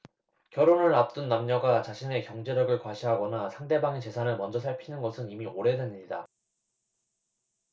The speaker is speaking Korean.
결혼을 앞둔 남녀가 자신의 경제력을 과시하거나 상대방의 재산을 먼저 살피는 것은 이미 오래된 일이다